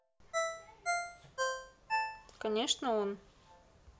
конечно он